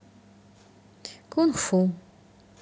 кунг фу